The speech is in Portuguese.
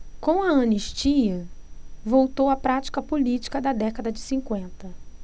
com a anistia voltou a prática política da década de cinquenta